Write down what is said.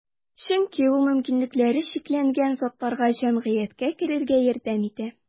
Чөнки ул мөмкинлекләре чикләнгән затларга җәмгыятькә керергә ярдәм итә.